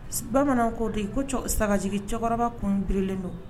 Bamananw ko de ko sagajigi cɛkɔrɔba kun blen don